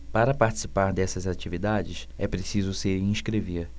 para participar dessas atividades é preciso se inscrever